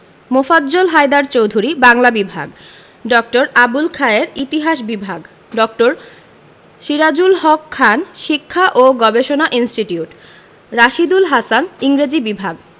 মোফাজ্জল হায়দার চৌধুরী বাংলা বিভাগ ড. আবুল খায়ের ইতিহাস বিভাগ ড. সিরাজুল হক খান শিক্ষা ও গবেষণা ইনস্টিটিউট রাশীদুল হাসান ইংরেজি বিভাগ